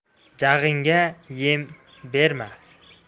jag'ingga yem berma